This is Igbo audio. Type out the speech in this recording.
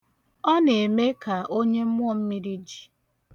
Ọ na-eme ka onye mmụọmmiri ji.